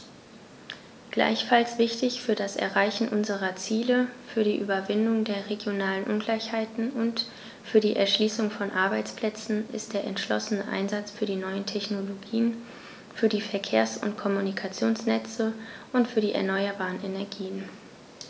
Gleichfalls wichtig für das Erreichen unserer Ziele, für die Überwindung der regionalen Ungleichheiten und für die Erschließung von Arbeitsplätzen ist der entschlossene Einsatz für die neuen Technologien, für die Verkehrs- und Kommunikationsnetze und für die erneuerbaren Energien.